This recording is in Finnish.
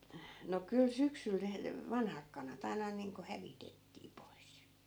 no kyllä syksyllä ne vanhat kanat aina niin kuin hävitettiin pois